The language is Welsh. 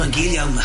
Ma'n gul iawn 'ma.